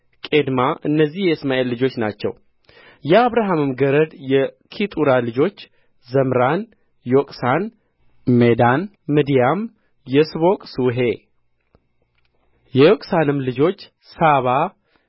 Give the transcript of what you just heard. ቄድማ እነዚህ የእስማኤል ልጆች ናቸው የአብርሃምም ገረድ የኬጡራ ልጆች ዘምራን ዮቅሳን ሜዳን ምድያም የስቦቅ ስዌሕ የዮቅሳንም ልጆች ሳባ